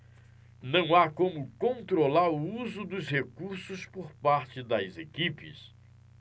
não há como controlar o uso dos recursos por parte das equipes